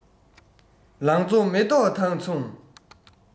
ལང ཚོ མེ ཏོག དང མཚུངས